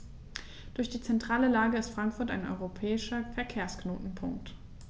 Durch die zentrale Lage ist Frankfurt ein europäischer Verkehrsknotenpunkt.